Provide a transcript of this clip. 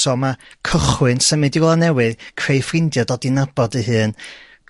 so ma' cychwyn symud i rwla newydd creu ffrindia' dod i nabod ei hun